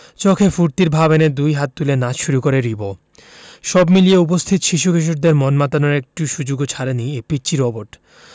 চোখে ফূর্তির ভাব এনে দুই হাত তুলে নাচ শুরু করে রিবো সব মিলিয়ে উপস্থিত শিশু কিশোরদের মন মাতানোর একটি সুযোগও ছাড়েনি এই পিচ্চি রোবট